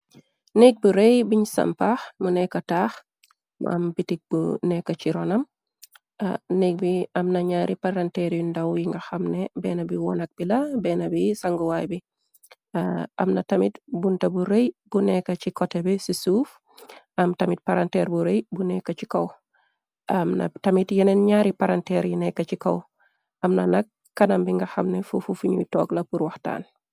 Nekk bi rëy biñ sampaax mu nekka taax , mu am bitik bu nekk ci ronam. Nekk bi am na ñaari paranteer yu ndaw yi nga xamne benn bi wonak bi la benn bi sanguwaay bi , amna tamit bunta bu rëy bu nekka ci kote bi ci suuf am tamit paranteer bu rëy bu nekka ci kaw, amna tamit yeneen ñaari paranteer yi nekka ci kaw amna nak kanam bi nga xamne fufu fiñuy tog la pur waxtaan.